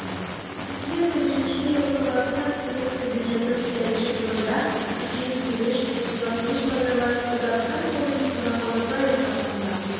«2015 елгы татарстан республикасы бюджеты үтәлеше турында» 233-5 номерлы татарстан республикасы законы проекты хакында